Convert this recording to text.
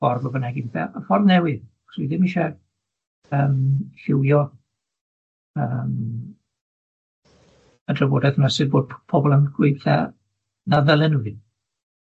ffor be bynnag on' ffor newydd, 'chos wi ddim isie yym lliwio yym y drafodaeth 'my sy bod p- pobol yn gweitha na ddylen nw ddim.